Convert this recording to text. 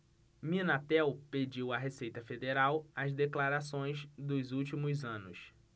minatel pediu à receita federal as declarações dos últimos anos